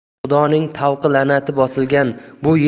xudoning tavqi lanati bosilgan bu